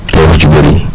loolu lu ci bëri